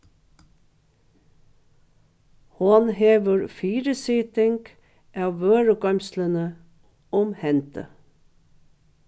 hon hevur fyrisiting av vørugoymsluni um hendi